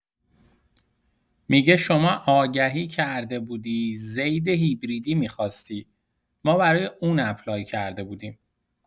می‌گه شما آگهی کرده بودی زید هیبریدی می‌خواستی ما برای اون اپلای کرده بودیم.